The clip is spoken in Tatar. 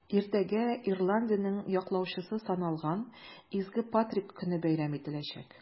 Иртәгә Ирландиянең яклаучысы саналган Изге Патрик көне бәйрәм ителәчәк.